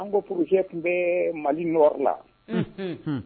An koorojɛ tun bɛ mali nɔ la